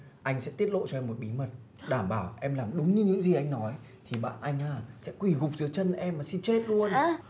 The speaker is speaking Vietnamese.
anh sẽ tiết lộ cho em một bí mật đảm bảo em làm đúng như những gì anh nói thì bạn anh á sẽ quỳ gục dưới chân em và xin chết luôn